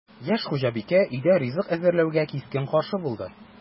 Яшь хуҗабикә өйдә ризык әзерләүгә кискен каршы булды: